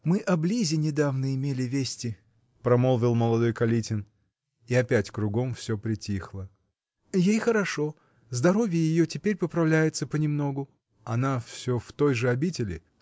-- Мы о Лизе недавно имели вести, -- промоловил молодой Калитин, -- и опять кругом все притихло, -- ей хорошо, здоровье ее теперь поправляется понемногу. -- Она все в той же обители?